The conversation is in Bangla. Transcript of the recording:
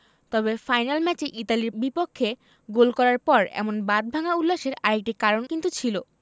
তবে ফাইনাল ম্যাচে ইতালির বিপক্ষে গোল করার পর এমন বাঁধভাঙা উল্লাসের আরেকটি কারণ কিন্তু ছিল